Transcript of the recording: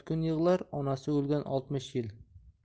yig'lar onasi o'lgan oltmish yil